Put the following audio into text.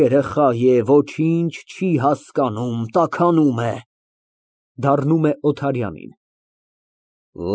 Երեխա է, ոչինչ չի հասկանում, տաքանում է։ (Դառնում է Օթարյանին)։